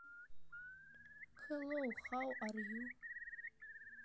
хэллоу хау ар ю